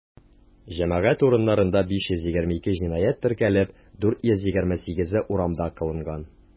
Җәмәгать урыннарында 522 җинаять теркәлеп, 428-е урамда кылынган.